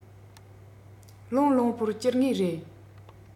བློང བློང པོར གྱུར ངེས རེད